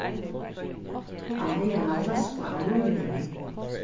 hann hevði eina fløsku av víni við